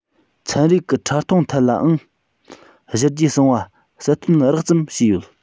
ཚན རིག གི ཕྲ མཐོང ཐད ལའང གཞི རྒྱུའི གསང བ གསལ སྟོན རགས ཙམ བྱས ཡོད